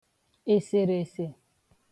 èsèrèèsè